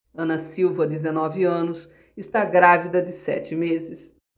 ana silva dezenove anos está grávida de sete meses